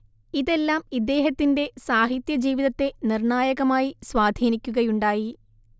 ഇതെല്ലാം ഇദ്ദേഹത്തിന്റെ സാഹിത്യജീവിതത്തെ നിർണായകമായി സ്വാധീനിക്കുകയുണ്ടായി